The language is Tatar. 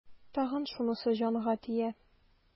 Тагын шунысы җанга тия.